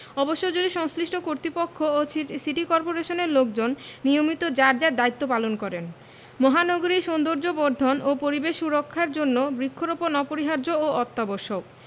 অবশ্য যদি সংশ্লিষ্ট কর্তৃপক্ষ ও সিটি কর্পোরেশনের লোকজন নিয়মিত যার যার দায়িত্ব পালন করেন মহানগরীর সৌন্দর্যবর্ধন ও পরিবেশ সুরক্ষার জন্য বৃক্ষরোপণ অপরিহার্য ও অত্যাবশ্যক